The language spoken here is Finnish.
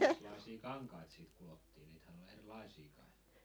minkäslaisia kankaita sitten kudottiin niitähän oli erilaisia kankaita